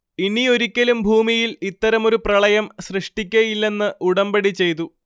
ഇനിയൊരിക്കലും ഭൂമിയിൽ ഇത്തരമൊരു പ്രളയം സൃഷ്ടിക്കയില്ലെന്ന് ഉടമ്പടി ചെയ്തു